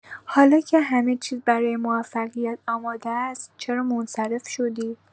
حالا که همه‌چیز برای موفقیت آماده است، چرا منصرف شدی؟